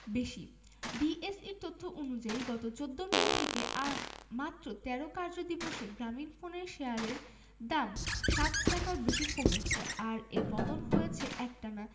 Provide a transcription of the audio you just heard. বেশি ডিএসইর তথ্য অনুযায়ী গত ১৪ মে থেকে মাত্র ১৩ কার্যদিবসে গ্রামীণফোনের শেয়ারের দাম ৬০ টাকার বেশি কমেছে আর এ পতন হয়েছে একটানা